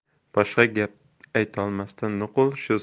boshqa gap aytolmasdan nuqul shu